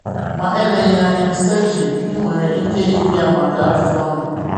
Ma eleghị anya, Sergey, ị nwere ike ị bịa maka ajụjụọnụ?